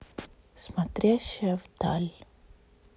смотрящая вдаль